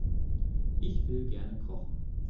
Ich will gerne kochen.